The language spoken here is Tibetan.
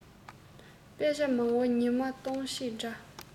དཔེ ཆ མང བོ ཉི མ གཏོང བྱེད འདྲ